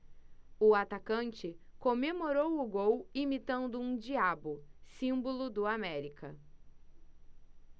o atacante comemorou o gol imitando um diabo símbolo do américa